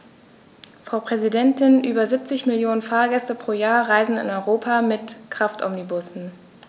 Frau Präsidentin, über 70 Millionen Fahrgäste pro Jahr reisen in Europa mit Kraftomnibussen.